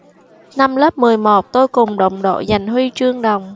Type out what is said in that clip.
năm lớp mười một tôi cùng đồng đội giành huy chương đồng